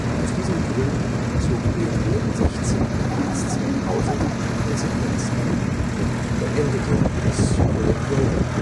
Aus diesen Gründen zog BMW am 16. März 2000 die Konsequenzen und beendete das Projekt Rover